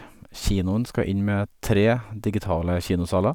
Kinoen skal inn med tre digitale kinosaler.